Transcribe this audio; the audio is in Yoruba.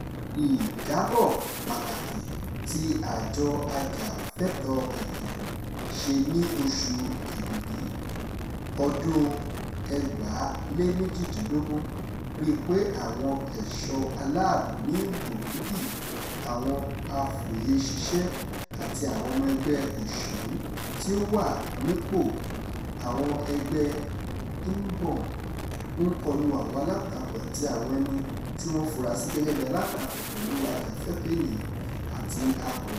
Ìjábọ̀ pàtàkì ti àjọ ajàfẹ́tọ̀ọ́ ènìyàn ṣe ní oṣù Èbìbí 2018 rí i pé àwọn èṣọ́ aláàbò ní Burundi, àwọn afòyeṣiṣẹ́ àti àwọn ọmọ ẹgbẹ́ òṣèlú tí ó wà nípò, àwọn ẹgbẹ́ Imbone… ń kọlu àwọn alátakò àti àwọn ẹni tí wọ́n fura sí gẹ́gẹ́ bí alátakò pẹ̀lú ajàfẹ́tọ̀ọ́ ènìyàn àti akọ̀ròyìn.